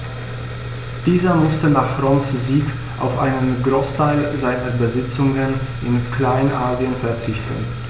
Dieser musste nach Roms Sieg auf einen Großteil seiner Besitzungen in Kleinasien verzichten.